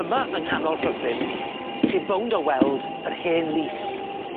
Yma yng nghanol Rhuthun, chi bownd o weld yr hen lys.